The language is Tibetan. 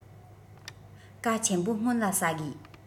ཀྭ ཆེན པོ སྔོན ལ ཟ དགོས